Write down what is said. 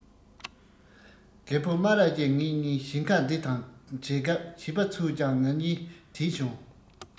རྒད པོ སྨ ར ཅན ངེད གཉིས ཞིང ཁ འདི དང བྲལ སྐབས བྱིས པ ཚོས ཀྱང ང གཉིས དེད བྱུང